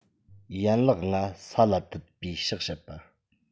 ཡན ལག ལྔ ས ལ བཏུད པའི ཕྱག བྱེད པ